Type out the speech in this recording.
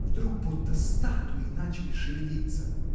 Вдруг будто статуи начали шевелиться.